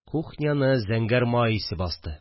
Кухняны зәңгәр май исе басты